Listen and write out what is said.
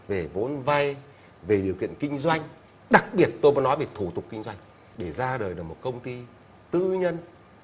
về vốn vay về điều kiện kinh doanh đặc biệt tôi muốn nói về thủ tục kinh doanh để ra đời được một công ty tư nhân